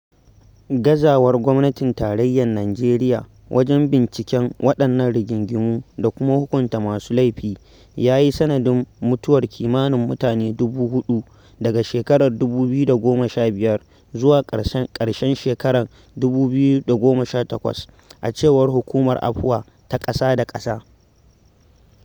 Gazawar gwamnatin tarayyar Nijeriya wajen binciken waɗannan rigingimu da kuma hukunta masu laifi "ya yi sanadin mutuwar kimanin mutane 4,000 daga shekarar 2015 zuwa ƙarshen shekarar 2018, a cewar Hukumar Afuwa ta ƙasa da ƙasa.